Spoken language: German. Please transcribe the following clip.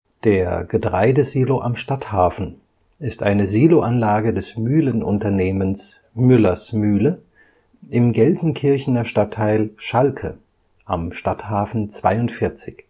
Der Getreidesilo Am Stadthafen ist eine Siloanlage des Mühlenunternehmens Müller’ s Mühle im Gelsenkirchener Stadtteil Schalke, Am Stadthafen 42.